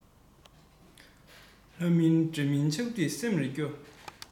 ལྷ མིན འདྲེ མིན ཆགས དུས སེམས རེ སྐྱོ